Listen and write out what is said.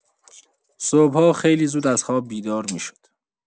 صبح‌ها خیلی زود از خواب بیدار می‌شد.